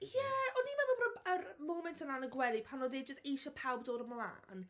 Ie, o'n i'n meddwl bod y- yr moment yna yn y gwely pan oedd e jyst eisiau pawb dod ymlaen...